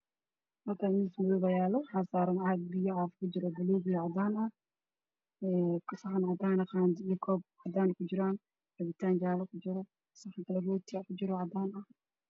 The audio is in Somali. Halkaan waa miis madow waxaa saaran biya caadi ah oo caagad buluug ku jiro cunto kale saxan cadaan koob cabitaan ah kujiro saxan kale oor ooti cadaan aha kujiro